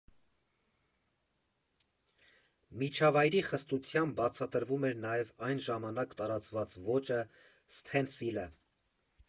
Միջավայրի խստությամբ բացատրվում էր նաև այն ժամանակ տարածված ոճը՝ սթենսիլը։